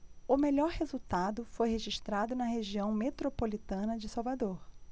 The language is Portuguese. o melhor resultado foi registrado na região metropolitana de salvador